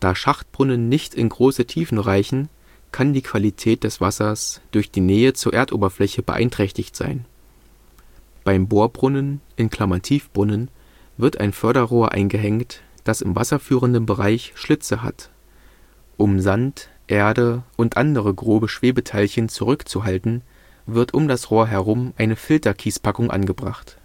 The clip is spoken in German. Schachtbrunnen nicht in große Tiefen reichen, kann die Qualität des Wassers durch die Nähe zur Erdoberfläche beeinträchtigt sein. Beim Bohrbrunnen (Tiefbrunnen) wird ein Förderrohr eingehängt, das im wasserführenden Bereich Schlitze hat. Um Sand, Erde und andere grobe Schwebeteilchen zurückzuhalten, wird um das Rohr herum eine Filterkiespackung angebracht